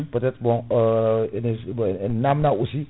peut être bon ene suuɓa ene namna aussi